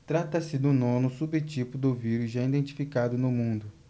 trata-se do nono subtipo do vírus já identificado no mundo